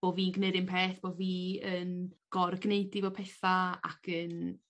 bo' fi'n gneu 'r un peth bo fi yn gorgneud 'i fo petha ac yn